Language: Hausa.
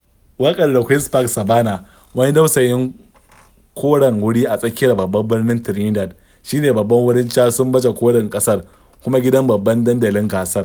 Waƙar The ƙueen's Park Saɓannah, wani dausayin koren wuri a tsakiyar babban birnin Trinidad, shi ne babban wurin casun baje-kolin ƙasar kuma gidan babban dandalin gasar.